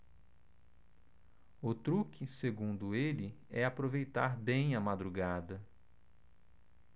o truque segundo ele é aproveitar bem a madrugada